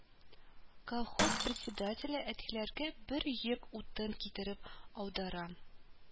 Колхоз председателе әтиләргә бер йөк утын китереп аудара